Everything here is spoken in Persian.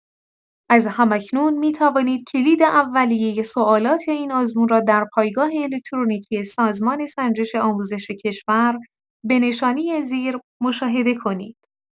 از هم‌اکنون می‌توانید کلید اولیه سوالات این آزمون را در پایگاه الکترونیکی سازمان سنجش آموزش کشور به نشانی زیر مشاهده کنید.